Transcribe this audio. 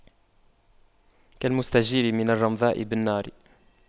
كالمستجير من الرمضاء بالنار